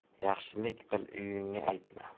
yaxshilik qil uyingga aytma